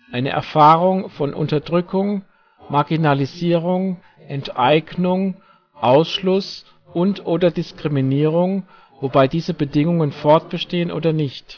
Eine Erfahrung von Unterdrückung, Marginalisierung, Enteignung, Ausschluss oder/und Diskriminierung, wobei diese Bedingungen fortbestehen oder nicht